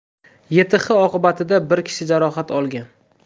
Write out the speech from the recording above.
yth oqibatida bir kishi jarohat olgan